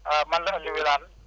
waaw man la Aliou Wiklane